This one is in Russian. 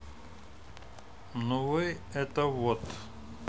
ну вы это вот